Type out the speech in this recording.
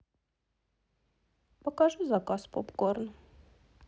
покажи заказ попкорна